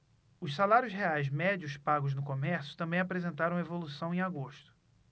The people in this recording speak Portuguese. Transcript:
os salários reais médios pagos no comércio também apresentaram evolução em agosto